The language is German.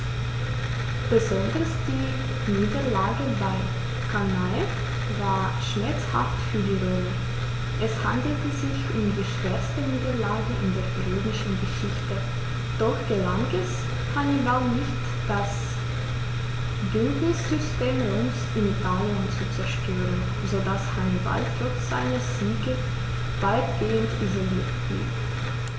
Besonders die Niederlage bei Cannae war schmerzhaft für die Römer: Es handelte sich um die schwerste Niederlage in der römischen Geschichte, doch gelang es Hannibal nicht, das Bündnissystem Roms in Italien zu zerstören, sodass Hannibal trotz seiner Siege weitgehend isoliert blieb.